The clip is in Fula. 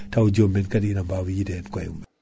taw joomum kaadi ina mbawa yidehen koye mumen